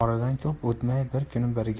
oradan ko'p o'tmay bir kuni